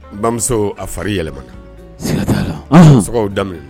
Bamuso a fari yɛlɛmana siga t'ala furaw daminɛna.